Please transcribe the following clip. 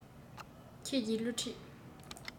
ཁྱེད ཀྱི བསླུ བྲིད